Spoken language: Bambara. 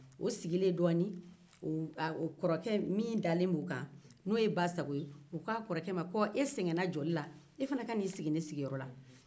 o sigilen dɔɔni basago k'o ka na dɔ sigi ale sigiyɔrɔ la komi e sɛgɛnna